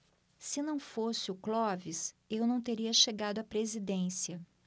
se não fosse o clóvis eu não teria chegado à presidência